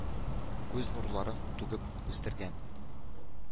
Күз нурларын түгеп үстергән.